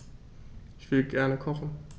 Ich will gerne kochen.